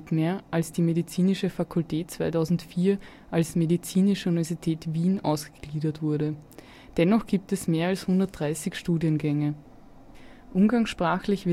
mehr, als die medizinische Fakultät 2004 als Medizinische Universität Wien ausgegliedert wurde. Dennoch gibt es mehr als 130 Studiengänge. Umgangssprachlich